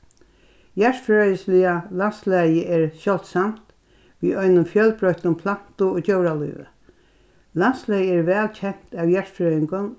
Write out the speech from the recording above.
jarðfrøðisliga landslagið er sjáldsamt við einum fjølbroyttum plantu- og djóralívi landslagið er vælkent av jarðfrøðingum